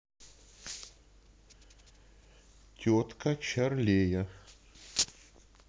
тетка чарлея